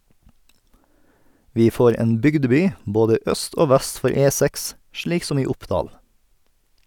Vi får en bygdeby både øst og vest for E6, slik som i Oppdal.